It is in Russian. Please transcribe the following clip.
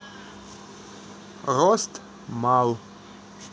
рост мал